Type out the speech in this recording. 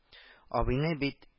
Абыйны бит